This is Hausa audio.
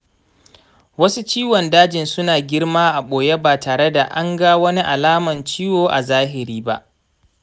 wasu ciwon dajin suna girma a boye ba tareda anga wani alaman ciwon a zahiri ba.